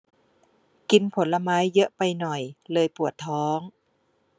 กินผลไม้เยอะไปหน่อยเลยปวดท้อง